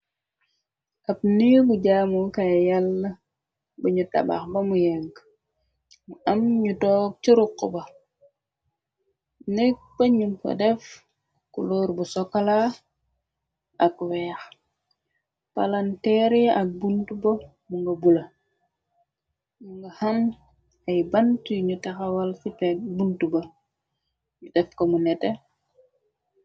Ab neegu jaamu kay yàll, bañu tabax bamu yegg, mu am ñu toog cërukq ba, nekk pañum ko def kuloor bu sokola, ak weex, palanteere ak bunt ba mu nga bula, mu nga xan ay bant yunu taxawal ci teg buntu ba, yu def ko mu nete.